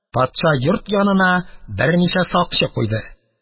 Патша йорт янына берничә сакчы куйды.